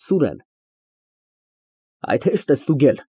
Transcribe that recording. ՍՈՒՐԵՆ ֊ Այդ հեշտ է ստուգել։